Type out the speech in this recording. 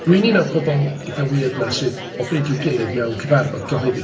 Dwi'n un o'r bobl eitha weird yna sydd o bryd i'w gilydd mewn cyfarfod cyhoeddus...